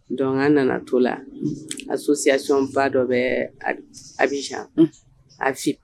Don an nana to la a so siyasonɔn ba dɔ bɛ abiyan a fili